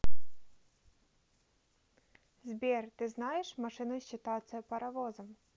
сбер ты знаешь машиной считаться паровозом